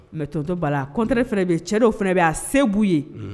Mɛ tonttɔ bala kɔnt cɛ dɔw fana bɛ a seu ye